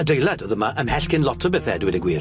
Adeilad o'dd yma ymhell cyn lot o bethe, a dweud y gwir.